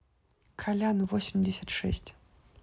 колян восемьдесят шесть